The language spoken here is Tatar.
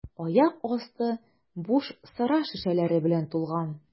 Аяк асты буш сыра шешәләре белән тулган.